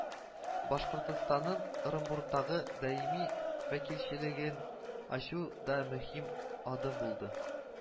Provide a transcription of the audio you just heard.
Башкортстанның Ырымбурдагы даими вәкилчелеген ачу да мөһим адым булды